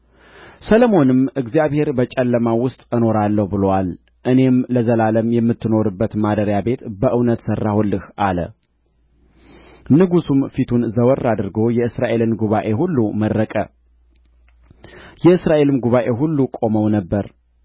ሰሎሞንም እግዚአብሔር በጨለማው ውስጥ እኖራለሁ ብሎአል እኔም ለዘላለም የምትኖርበት ማደሪያ ቤት በእውነት ሠራሁልህ አለ ንጉሡም ፊቱን ዘወር አድርጎ የእስራኤልን ጉባኤ ሁሉ መረቀ የእስራኤልም ጉባኤ ሁሉ ቆመው ነበር